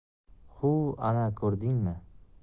huv ana ko'rdingmi